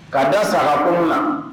Ka da sara kunun na